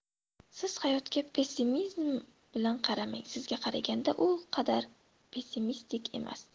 siz hayotga pessimizm bilan qaramang sizga qaraganda u qadar pessimistik emas